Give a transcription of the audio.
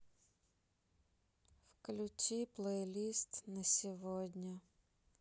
включи плейлист на сегодня